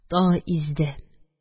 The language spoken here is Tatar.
Тагы изде.